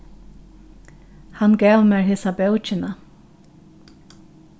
hann gav mær hesa bókina